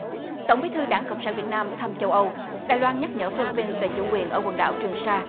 tổng bí thư đảng cộng sản việt nam thăm châu âu đài loan nhắc nhở phi lip pin và chủ quyền ở quần đảo trường sa